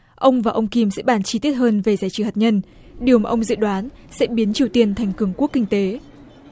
ông và ông kim sẽ bàn chi tiết hơn về giải trừ hạt nhân điều mà ông dự đoán sẽ biến triều tiên thành cường quốc kinh tế